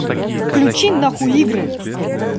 выключи на хуй игры